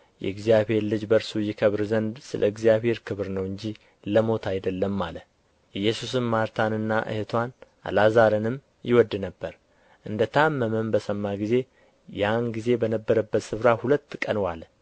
የእግዚአብሔር ልጅ በእርሱ ይከብር ዘንድ ስለ እግዚአብሔር ክብር ነው እንጂ ለሞት አይደለም አለ ኢየሱስም ማርታንና እኅትዋን አልዓዛርንም ይወድ ነበር እንደ ታመመም በሰማ ጊዜ ያን ጊዜ በነበረበት ስፍራ ሁለት ቀን ዋለ